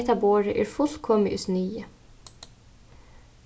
hetta borðið er fullkomið í sniði